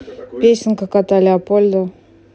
песенка кота леопольда